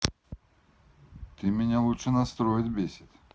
ты меня лучше настроить бесить